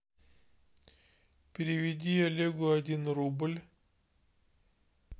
переведи олегу один рубль